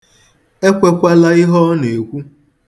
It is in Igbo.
Ekwekwala ihe ọ na-ekwu.